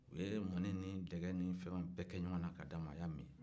u ye mɔni ni dɛgɛ ni fɛnw bɛɛ kɛ ɲɔgɔnna ka d'a ma a y'a min